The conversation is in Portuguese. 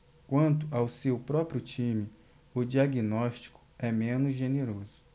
quanto ao seu próprio time o diagnóstico é menos generoso